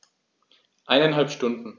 Eineinhalb Stunden